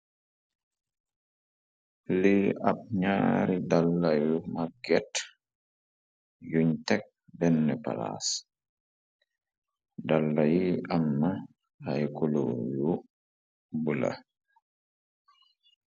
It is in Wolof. Lii ab ñaari dalla yu maggeet, yuñ teg benn palaas, dalla yi am na ay kulor yu bula.